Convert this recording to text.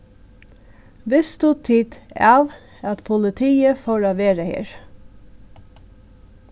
vistu tit av at politiið fór at vera her